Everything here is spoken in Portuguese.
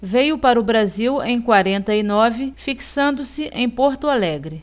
veio para o brasil em quarenta e nove fixando-se em porto alegre